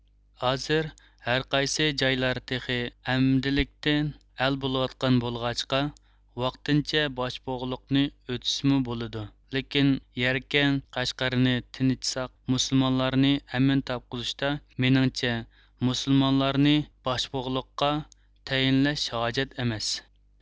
ھازىر ھەرقايسى جايلار تېخى ئەمدىلىكتىن ئەل بولۇۋاتقان بولغاچقا ۋاقتىنچە باشبۇغىلىقنى ئۆتىسىمۇ بولىدۇ لېكىن يەركەن قەشقەرنى تىنجىتساق مۇسۇلمانلارنى ئەمىن تاپقۇزۇشتا مېنىڭچە مۇسۇلمانلارنى باشبۇغلىققا تەيىنلەش ھاجەت ئەمەس